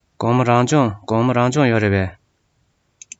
དགོང མོ རང སྦྱོང ཡོད རེད པས